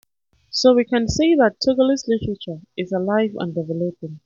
So we can say that Togolese literature is alive and developing.